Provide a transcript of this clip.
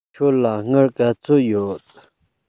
ཁྱོད ལ དངུལ ག ཚོད ཡོད